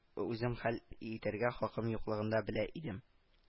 Үзем хәл итәргә хакым юклыгын да белә идем